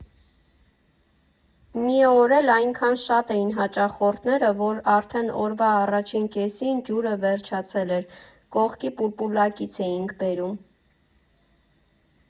Մի օր էլ այնքան շատ էին հաճախորդները, որ արդեն օրվա առաջին կեսին ջուրը վերջացել էր, կողքի պուլպուլակից էինք բերում։